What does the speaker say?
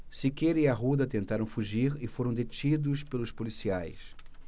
siqueira e arruda tentaram fugir e foram detidos pelos policiais